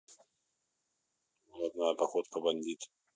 блатная походка бандит